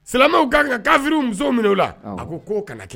Silamɛw kan ka kafiriw musow minɛ u la, a ko k'o kana kɛ